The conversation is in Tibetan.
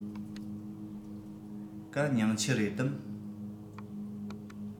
ག མྱང ཆུ རེད དམ